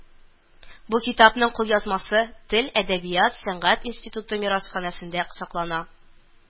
Бу китапның кулъязмасы Тел, әдәбият, сәнгать иснтитуты мирасханәсендә саклана